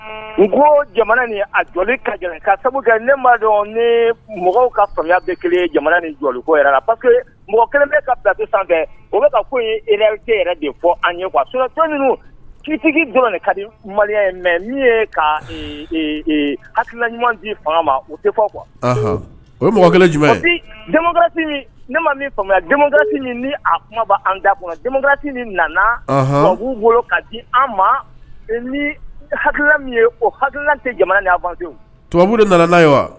N ko jamana a ka sabu ne ma dɔn ni mɔgɔw kaya kelen ye jamana ni jɔ koseke mɔgɔ kelen bɛ ka bilati sanfɛ o bɛka ko de fɔ an ye a kitigi ka di maliya mɛ min ye ka hakila ɲuman di ma u tɛ fɔ kuwa kuma an da kunti min nana b'u bolo ka di an ma hakila o hala tɛ jamanababu nana